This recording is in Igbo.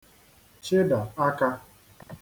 chịdà akā